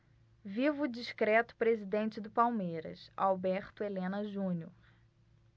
viva o discreto presidente do palmeiras alberto helena junior